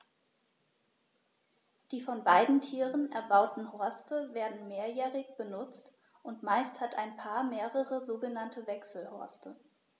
Die von beiden Tieren erbauten Horste werden mehrjährig benutzt, und meist hat ein Paar mehrere sogenannte Wechselhorste.